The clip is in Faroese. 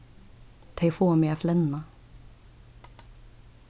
tey fáa meg at flenna